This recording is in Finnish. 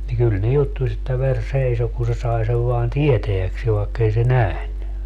niin kyllä ne juttusi että veri seisoi kun se sai sen vain tietääkseen vaikka ei se nähnyt